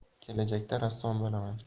kelajakda rassom bo'laman